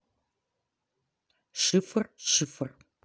шифр шифр